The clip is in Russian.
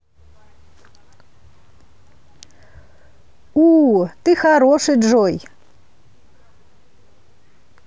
у ты хороший джой